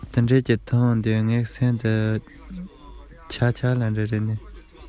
དེ ལྟར དྲི བ མང པོ ཞིག གི